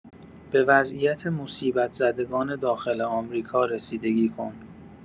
به وضعیت مصیبت زدگان داخل آمریکا رسیدگی کن